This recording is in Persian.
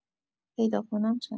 پیدا کنم چشم